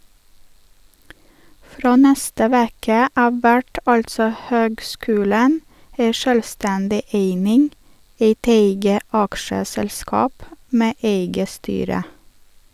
Frå neste veke av vert altså høgskulen ei sjølvstendig eining, eit eige aksjeselskap med eige styre.